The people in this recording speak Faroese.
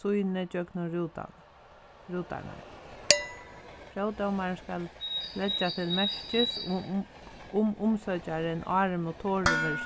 sýni gjøgnum rútarnar rútarnar próvdómarin skal leggja til merkis um umsøkjarin áðrenn motorurin verður